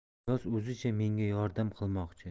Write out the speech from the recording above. niyoz o'zicha menga yordam qilmoqchi